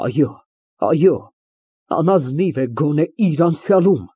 Այո, այո, անազնիվ է գոնե իր անցյալում։